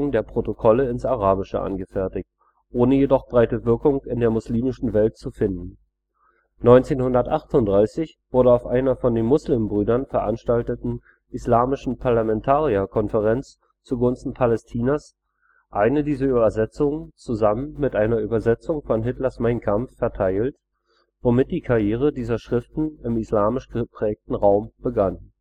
der Protokolle ins Arabische angefertigt, ohne jedoch breite Wirkung in der muslimischen Welt zu finden. 1938 wurde auf einer von den Muslimbrüdern veranstalteten Islamischen Parlamentarierkonferenz zugunsten Palästinas eine dieser Übersetzungen zusammen mit einer Übersetzung von Hitlers Mein Kampf verteilt, womit die Karriere dieser Schriften im islamisch geprägten Raum begann